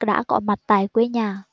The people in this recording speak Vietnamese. đã có mặt tại quê nhà